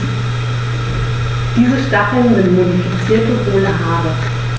Diese Stacheln sind modifizierte, hohle Haare.